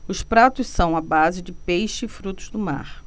os pratos são à base de peixe e frutos do mar